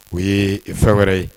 O ye fɛn wɛrɛ ye